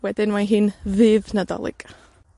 Wedyn mae hi'n ddydd Nadolig.